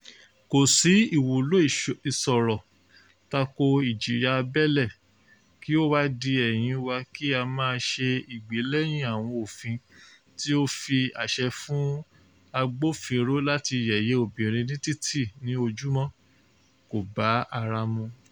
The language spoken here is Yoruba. Kò sí ìwúlò ìsọ̀rọ̀ tako ìjìyà abẹ́lé kí ó wá di ẹ̀yìn wá kí a máa ṣe ìgbèlẹ́yìn àwọn òfin tí ó fi àṣẹ fún agbófinró láti yẹ̀yẹ́ obìrin ní títì ní ojúmọ́, kò bá ara mu!